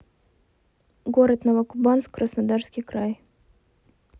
город новокубанск краснодарский край